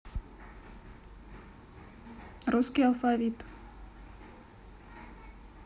русский алфавит